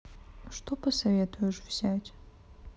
что посоветуешь взять